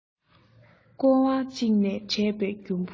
ཀོ བ གཅིག ནས དྲས པའི རྒྱུན བུ